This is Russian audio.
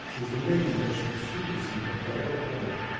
— с изумлением, почти с ужасом повторял он.